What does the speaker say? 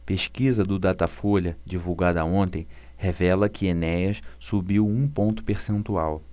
pesquisa do datafolha divulgada ontem revela que enéas subiu um ponto percentual